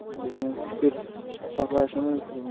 bizning sukut saqlashimiz